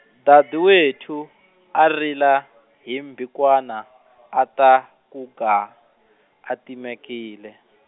Dadewethu, a rila, hi mbhikwana, a ta, ku gaa, a timekile.